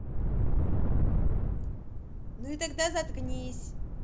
ну и тогда заткнись